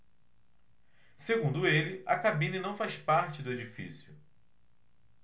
segundo ele a cabine não faz parte do edifício